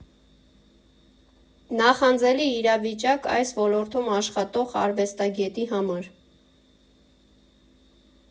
Նախանձելի իրավիճակ այս ոլորտում աշխատող արվեստագետի համար։